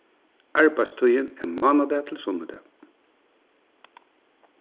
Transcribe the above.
arbeiðstíðin er mánadag til sunnudag